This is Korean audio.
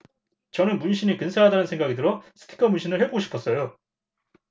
저는 문신이 근사하다는 생각이 들어 스티커 문신을 해 보고 싶었어요